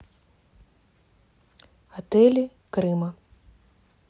отели крыма